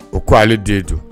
O ko ale den dun